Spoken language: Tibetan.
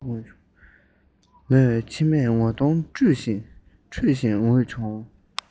མོས མཆིལ མས ངོ གདོང འཁྲུད བཞིན ངུས བྱུང